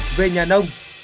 về nhà nông